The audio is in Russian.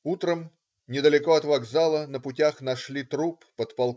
Утром, недалеко от вокзала, на путях нашли труп подп.